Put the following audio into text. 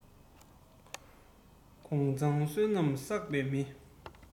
ཁོང མཛངས བསོད ནམས བསགས པའི མི